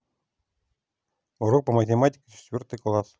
урок по математике за четвертый класс